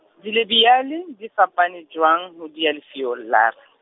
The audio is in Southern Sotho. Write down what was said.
dilebiyale di fapane jwang ho dialefiyolare.